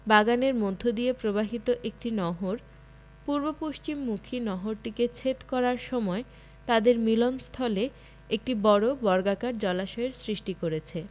বাগানের মধ্যদিয়ে প্রবাহিত একটি নহর পূর্ব পশ্চিমমুখী নহরটিকে ছেদ করার সময় তাদের মিলনস্থলে একটি বড় বর্গাকার জলাশয়ের সৃষ্টি করেছে